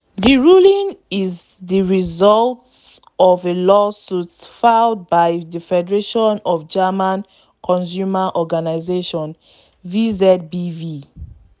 The ruling is the result of a lawsuit filed by the Federation of German consumer organizations, VZBV.